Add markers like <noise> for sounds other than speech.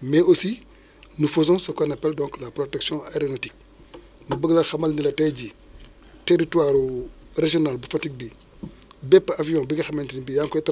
que ni ñi ñuy déglu ci rajo Ndefleng FM Fatick énu ngi ci seen émission <breath> jagleel ko nag li ngaxamante ni moom mooy waa météo ak waa <breath> ñi nga xamante ni ñoom ñooy services